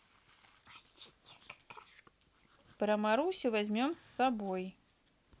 про марусю возьмем с собой